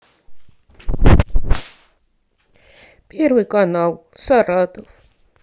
первый канал саратов